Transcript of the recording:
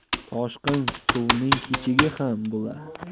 toshqin suvning kechigi ham bo'lar